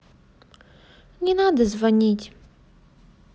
не надо звонить